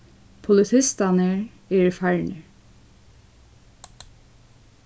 politistarnir eru farnir